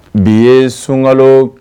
Bi ye sunkalo